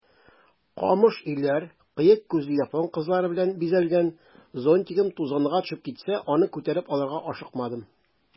Камыш өйләр, кыек күзле япон кызлары белән бизәлгән зонтигым тузанга төшеп китсә, аны күтәреп алырга ашыкмадым.